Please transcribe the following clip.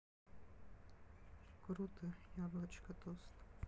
круто яблочко тост